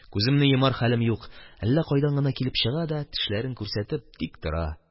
Күземне йомар хәлем юк, әллә кайдан гына килеп чыга да тешләрен күрсәтеп тик тора.